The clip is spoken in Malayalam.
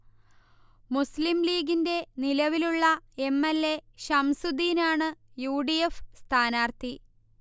മുസ്ലിം ലീഗിന്റെ നിലവിലുള്ള എം. എൽ. എ. ഷംസുദീൻ ആണ് യൂ. ഡി. എഫ്. സ്ഥാനാർത്ഥി